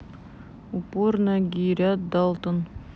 упор ноги ряд далтон